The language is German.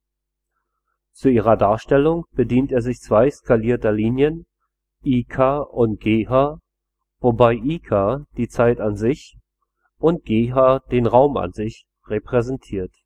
Zu ihrer Darstellung bedient er sich zweier skalierter Linien IK und GH, wobei IK „ die Zeit an sich “und GH „ den Raum an sich “repräsentiert